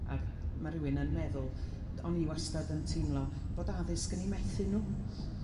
Ag ma' rywun yn meddwl o'n i wastad yn teimlo bod addysg yn 'u methu nhw.